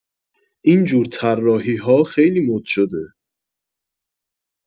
اینجور طراحی‌ها خیلی مد شده